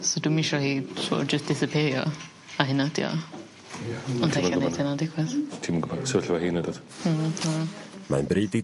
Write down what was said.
so dw'm isio hi t'o' jys disappear. Nad hyna 'di o. Ond e'll neith hyna digwydd. Ti'm yn gwbod sefyllfa hi nad wt? Hmm hmm. Mae'n bryd i...